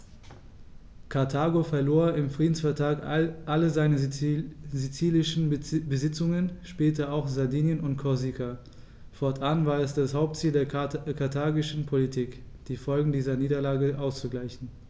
Karthago verlor im Friedensvertrag alle seine sizilischen Besitzungen (später auch Sardinien und Korsika); fortan war es das Hauptziel der karthagischen Politik, die Folgen dieser Niederlage auszugleichen.